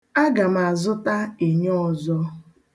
Aga m azụta enyo ọzọ.